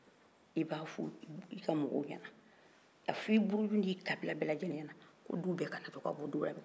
i b'a fɔ i ka mɔgɔw ɲɛna a fɔ i buruju n'i kabila bɛɛ lajɛlen ɲɛna ko du bɛɛ kana bɔ duda la